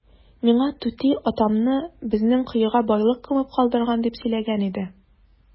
Миңа түти атамны безнең коега байлык күмеп калдырган дип сөйләгән иде.